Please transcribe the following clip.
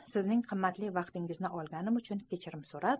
sizning qimmatli vaqtingizni olganim uchun kechirim so'rab